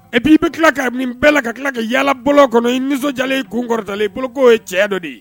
Epi ii bɛ tila ka min bɛɛ la ka tila ka yaalabolo kɔnɔ nisɔndiyalen kun kɔrɔta i boloko'o ye cɛ dɔ de ye